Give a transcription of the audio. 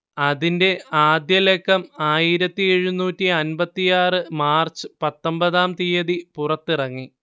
അതിന്റെ ആദ്യലക്കം ആയിരത്തിയെഴുന്നൂറ്റിയമ്പത്തിയാറ് മാർച്ച് പത്തൊമ്പതാം തിയതി പുറത്തിറങ്ങി